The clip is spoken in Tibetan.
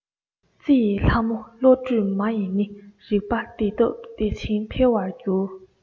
རྩི ཡི ལྷ མོ བློ གྲོས མ ཡི ནི རིག པ འདིས གདབ བདེ ཆེན འཕེལ བར འགྱུར